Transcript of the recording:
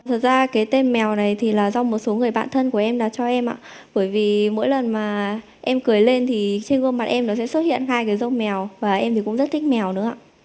thật ra cái tên mèo này thì là do một số người bạn thân của em đặt cho em ạ bởi vì mỗi lần mà em cười lên thì trên gương mặt em nó sẽ xuất hiện hai cái râu mèo và em thì cũng rất thích mèo nữa ạ